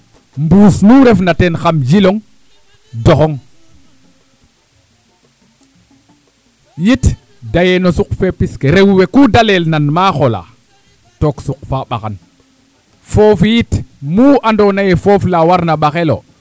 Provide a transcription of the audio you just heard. mbuus nu refna teen xam jilong doxong yit dayee no suq fee pis ke rew we kuu daa leel noo maax olaa took suq fa ɓaxan foofi yit muu andoona yee foof la warna ɓaxel loo